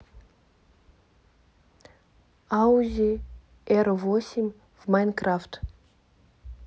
аузи эр восемь в майнкрафт